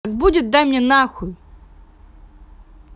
так будет дай мне нахуй